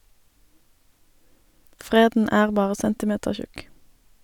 Freden er bare centimetertjukk.